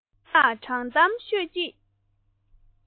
དེ ན དྲང གཏམ ཤོད ཅིག